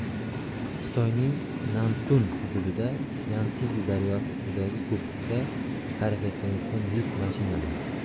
xitoyning nantun hududida yanszi daryosi ustidagi ko'prikda harakatlanayotgan yuk mashinalari